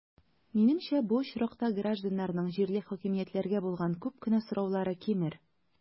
Минемчә, бу очракта гражданнарның җирле хакимиятләргә булган күп кенә сораулары кимер.